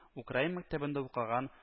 Украин мәктәбендә укыган